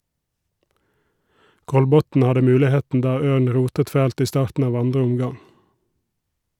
Kolbotn hadde muligheten da Ørn rotet fælt i starten av 2. omgang.